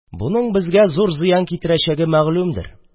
Буның безгә зур зыян китерәчәге мәгълүмдер.